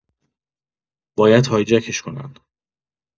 باید هایجکش کنن